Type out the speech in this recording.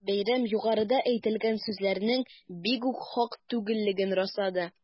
Бәйрәм югарыда әйтелгән сүзләрнең бигүк хак түгеллеген раслады.